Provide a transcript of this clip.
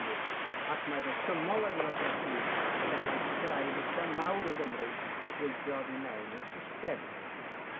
mawr i Gymry wrth weithio oddi mewn i'r system.